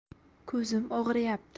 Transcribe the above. kozim og'riyapti